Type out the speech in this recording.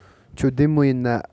ཁྱོད བདེ མོ ཡིན ན